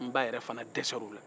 n ba yɛrɛ fana dɛsɛra u la